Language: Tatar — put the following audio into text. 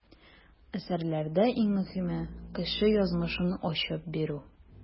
Әсәрләрдә иң мөһиме - кеше язмышын ачып бирү.